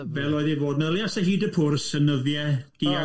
Fel oedd hi'n bod yn yli, oes y hyd y pwrs, yn nyddiau